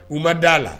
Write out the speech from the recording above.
U ma d'a la